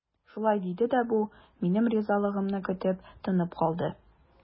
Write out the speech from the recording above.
Шулай диде дә бу, минем ризалыгымны көтеп, тынып калды.